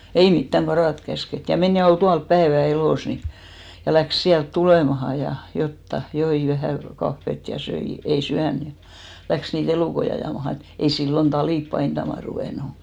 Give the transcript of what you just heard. ei mitään karata käsketty ja meni ja oli tuolla päivän elossa niin ja lähti sieltä tulemaan ja jotakin joi vähän kahvia ja söi ei syönyt ja lähti niitä elukoita ajamaan niin ei silloin talit painamaan ruvennut